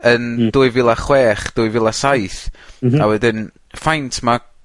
...yn... Hmm. ...dwy fil a chwech. Mhm. A wedyn faint ma'